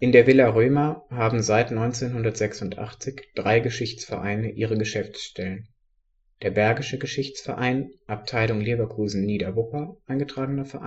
der Villa Römer haben seit 1986 drei Geschichtsvereine ihre Geschäftsstellen: Bergischer Geschichtsverein, Abteilung Leverkusen-Niederwupper, e.V.